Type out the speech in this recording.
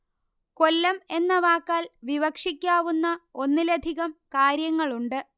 കൊല്ലം എന്ന വാക്കാൽ വിവക്ഷിക്കാവുന്ന ഒന്നിലധികം കാര്യങ്ങളുണ്ട്